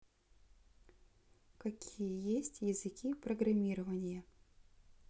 какие есть языки программирования